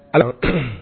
Al'an